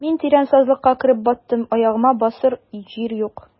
Мин тирән сазлыкка кереп баттым, аягыма басар җир юк.